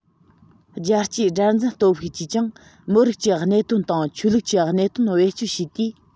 རྒྱལ སྤྱིའི དགྲར འཛིན སྟོབས ཤུགས ཀྱིས ཀྱང མི རིགས ཀྱི གནད དོན དང ཆོས ལུགས ཀྱི གནད དོན བེད སྤྱོད བྱས ཏེ